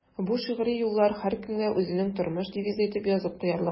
Бу шигъри юллар һәркемгә үзенең тормыш девизы итеп язып куярлык.